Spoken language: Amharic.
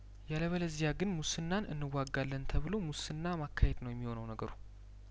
ያለበለዚ ያግን ሙስናን እንዋጋለን ተብሎ ሙስና ማካሄድ ነው የሚሆነው ነገሩ